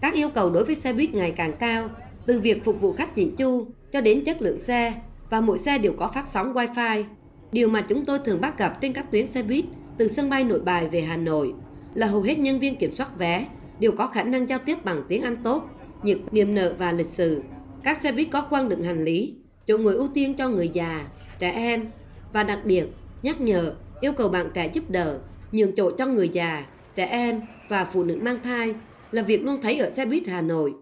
các yêu cầu đối với xe buýt ngày càng cao từ việc phục vụ khách chỉn chu cho đến chất lượng xe và mỗi xe đều có phát sóng oai phai điều mà chúng tôi thường bắt gặp trên các tuyến xe buýt từ sân bay nội bài về hà nội là hầu hết nhân viên kiểm soát vé đều có khả năng giao tiếp bằng tiếng anh tốt những niềm nở và lịch sự các xe buýt có khoang đựng hành lý chỗ ngồi ưu tiên cho người già trẻ em và đặc biệt nhắc nhở yêu cầu bạn trẻ giúp đỡ nhường chỗ cho người già trẻ em và phụ nữ mang thai là việc luôn thấy ở xe buýt hà nội